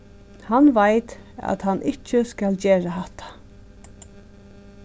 hann veit at hann ikki skal gera hatta